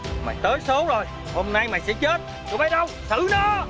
mày tới số rồi hôm nay mày sẽ chết tụi bay đâu xử nó